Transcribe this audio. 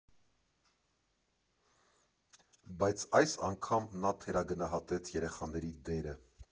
Բայց այս անգամ նա թերագնահատեց երեխաների դերը.